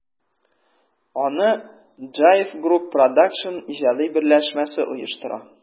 Аны JIVE Group Produсtion иҗади берләшмәсе оештыра.